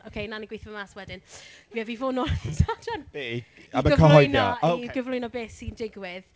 Ocei, wnawn ni gweithio fe mas wedyn. Ie fi fod nôl ar dydd Sadwrn!... Be am y cyhoeddiad?... I gyflwyno, i gyflwyno beth sy'n digwydd.